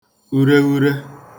ureghure